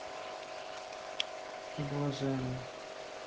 блажен